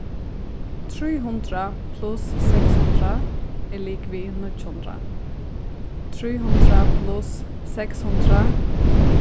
trý hundrað pluss seks hundrað er ligvið níggju hundrað trý hundrað pluss seks hundrað